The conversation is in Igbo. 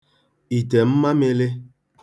ìtè mmamīlī